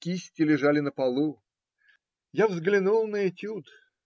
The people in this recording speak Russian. кисти лежали на полу. Я взглянул на этюд